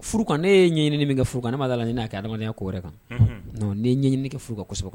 Furu kan ne ye ɲɛɲiniini min kɛ furu kan ne ma dala la n'a ka adamadenyaya ko wɛrɛ kan ne ɲininɲiniini kɛ furu ka kɔsɛbɛ